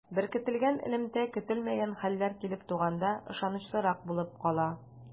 Беркетелгән элемтә көтелмәгән хәлләр килеп туганда ышанычлырак булып кала.